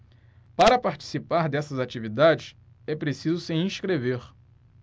para participar dessas atividades é preciso se inscrever